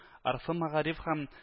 РФ мәгариф һәм